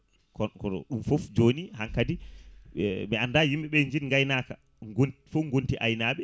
kon kono ɗum foof joni hankkadi mi anda yimɓeɓe jiid gaynaka gon fo gonti aynaɓe